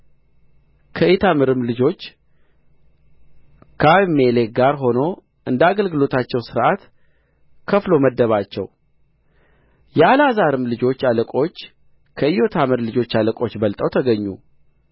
ከኢታምርም ልጆች ከአቢሜሌክ ጋር ሆኖ እንደ አገልግሎታቸው ሥርዓት ከፍሎ መደባቸው የአልዓዛርም ልጆች አለቆች ከኢታምርም ልጆች አለቆች በልጠው ተገኙ